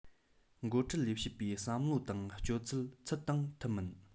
འགོ ཁྲིད ལས བྱེད པའི བསམ བློ དང སྤྱོད ཚུལ ཚུལ དང མཐུན མིན